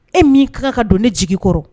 E min kan ka don ne jigi kɔrɔ